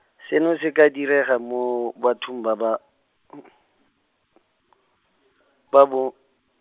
seno se ka direga mo bathong ba ba, ba bo.